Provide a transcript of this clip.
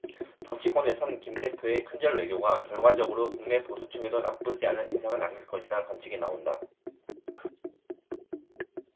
정치권에선 김 대표의 큰절 외교가 결과적으로 국내 보수층에도 나쁘지 않은 인상을 남길 것이란 관측이 나온다